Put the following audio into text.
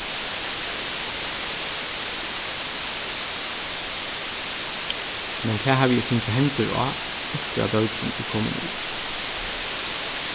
men tað havi eg fingið hendur á eftir at bókin er komin út